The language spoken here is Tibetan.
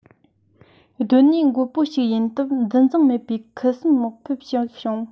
སྡོད གནས འགོལ པོ ཞིག ཡིན སྟབས འདུ འཛི མེད པའི ཁུ སིམ བག ཕེབས ཤིག བྱུང